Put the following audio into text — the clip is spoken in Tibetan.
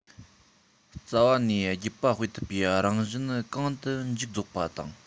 རྩ བ ནས རྒྱུད པ སྤེལ ཐུབ པའི རང བཞིན ནི གང དུ མཇུག རྫོགས པ དང